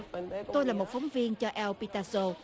tôi là một phóng viên cho eo pi ta sô